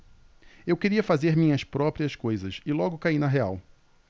eu queria fazer minhas próprias coisas e logo caí na real